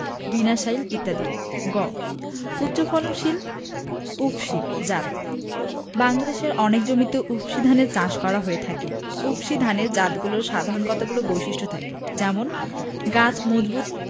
বিনাশাইল ইত্যাদি গ উচ্চফলনশীল উফশী জাতঃ বাংলাদেশের অনেক জমিতে উফশী ধানের চাষ করা হয়ে থাকে উফশী ধানের জাতগুলোর সাধারণ কতগুলো বৈশিষ্ট্য থাকে যেমনঃ গাছ মজবুত